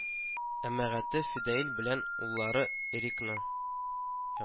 Әмәгате фидаил белән уллары эрикны